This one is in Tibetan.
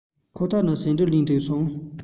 ཁོ ཐག ལ ཟེའུ འབྲུ ལེན དུ སོང